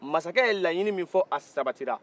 masakɛ ye laɲini min fɔ a sabatira